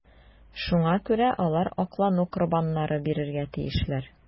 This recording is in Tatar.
Шуңа күрә алар аклану корбаннары бирергә тиешләр.